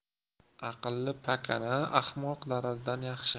aqlli pakana ahmoq darozdan yaxshi